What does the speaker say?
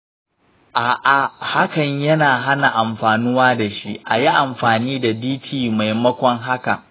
a’a, hakan yana hana amfanuwa da shi. a yi amfani da dt maimakon haka.